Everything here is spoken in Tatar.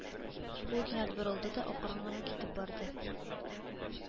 Ул кинәт борылды да, акрын гына китеп барды